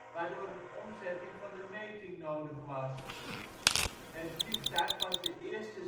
waardoor een omzetting van de meting nodig was. Het vliegtuig was de eerste